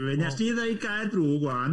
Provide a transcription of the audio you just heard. Wnes di ddeud Gaer Ddrwg ŵan.